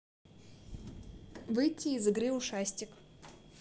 выйти из игры ушастик